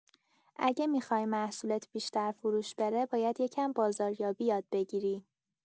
اگه می‌خوای محصولت بیشتر فروش بره، باید یکم بازاریابی یاد بگیری.